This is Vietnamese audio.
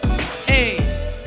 ê